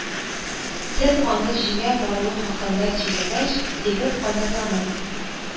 Тен аны җиңә баруы хакында сөйләгәч, егет, кайнарланып: